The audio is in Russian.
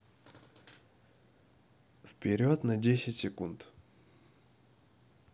вперед на десять секунд